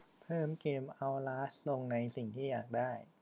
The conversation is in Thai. เพิ่มเกมเอ้าลาสลงในสิ่งที่อยากได้